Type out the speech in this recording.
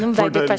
fortell!